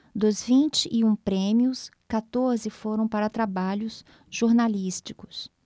dos vinte e um prêmios quatorze foram para trabalhos jornalísticos